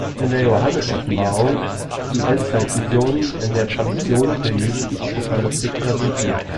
in der Johannesoffenbarung, die Endzeitvisionen in der Tradition der jüdischen Apokalyptik präsentiert